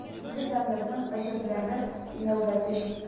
Инде Дамирның гаҗәпләнер нәүбәте җитте.